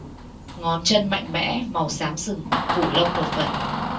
ngón chân mạnh mẽ màu xám sừng phủ lông một phần